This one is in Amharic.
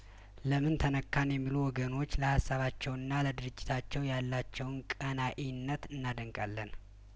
ለምን ተነካን የሚሉ ወገኖች ለሀሳባ ቸውና ለድርጅታቸው ያላቸውን ቀናኢነት እናደንቃለን